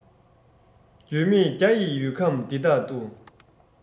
རྒྱུས མེད རྒྱ ཡི ཡུལ ཁམས འདི དག ཏུ